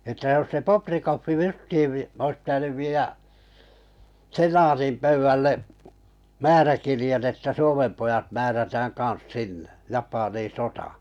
että jos se Bobrikov justiin olisi pitänyt viedä senaatin pöydälle määräkirjeen että Suomen pojat määrätään kanssa sinne Japaniin sotaan